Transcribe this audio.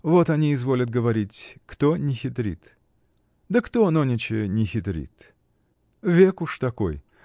-- Вот они изволят говорить: кто не хитрит. Да кто нонеча не хитрит? Век уж такой.